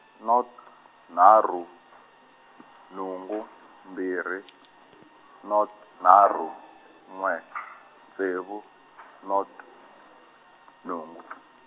nought nharhu nhungu mbirhi, nought nharhu n'we , ntsevu nought, nhungu.